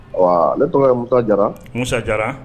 Abaa ne tɔgɔ ye Musa Jara Musa Jara